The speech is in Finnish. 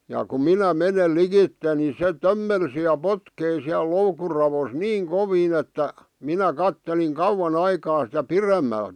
ja kun minä menen likitse niin se tömmelsi ja potki siellä loukun raossa niin kovin että minä katselin kauan aikaa sitä pidemmältä